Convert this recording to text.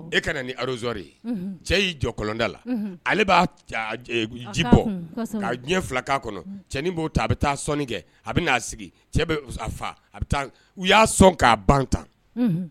E ka ni ararozore ye cɛ y'i jɔ kɔlɔnda la ale b'a ji bɔ ka diɲɛ fila'a kɔnɔ cɛnin b'o ta a bɛ taa sɔn kɛ a bɛa sigi y'a sɔn kaa ban tan